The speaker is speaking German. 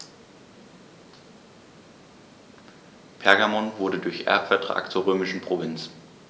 Pergamon wurde durch Erbvertrag zur römischen Provinz.